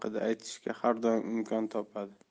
haqida aytishga har doim imkon topadi